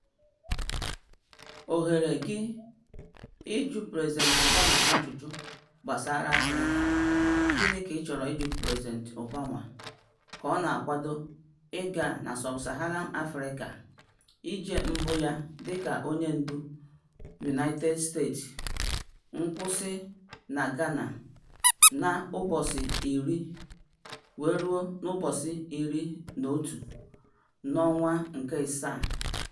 Ohere gị ịjụ President Obama ajụjụ gbasara Afrịka: Gịnị ka ị chọrọ ịjụ President Obama ka ọ na-akwado ịga na Sub-Saharan Africa ije mbụ ya dịka onye ndu United States - nkwụsị na Ghana na 10-11 Julaị?